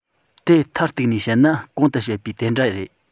དེ མཐར གཏུགས ནས བཤད ན གོང དུ བཤད པའི དེ འདྲ རེད